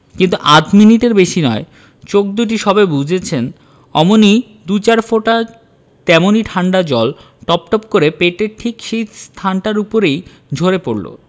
কিন্তু আধ মিনিটের বেশি নয় চোখ দুটি সবে বুজেছেন অমনি দু চার ফোঁটা তেমনি ঠাণ্ডা জল টপটপ কর পেটের ঠিক সেই স্থানটির উপরেই ঝরে পড়ল